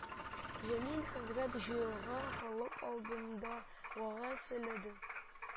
Җәлил хәзрәт җыелган халык алдында вәгазь сөйләде